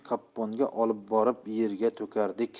kopponga olib borib yerga to'kardik